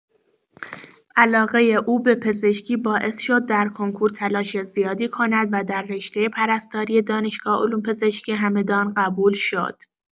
علاقه او به پزشکی باعث شد در کنکور تلاش زیادی کند و در رشته پرستاری دانشگاه علوم‌پزشکی همدان قبول شد.